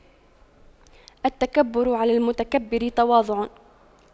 التكبر على المتكبر تواضع